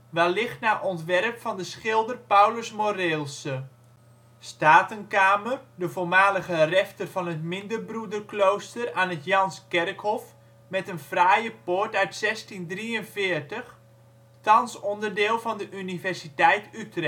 wellicht naar ontwerp van de schilder Paulus Moreelse. Statenkamer, de voormalige refter van het Minderbroederklooster aan het Janskerkhof met een fraaie poort uit 1643. Thans onderdeel van de Universiteit Utrecht. De